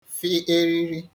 fị eriri